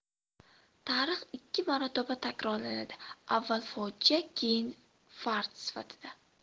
tarix ikki marotaba takrorlanadi avval fojea keyin fars sifatida